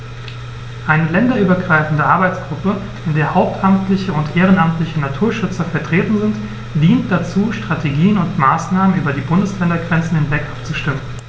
Eine länderübergreifende Arbeitsgruppe, in der hauptamtliche und ehrenamtliche Naturschützer vertreten sind, dient dazu, Strategien und Maßnahmen über die Bundesländergrenzen hinweg abzustimmen.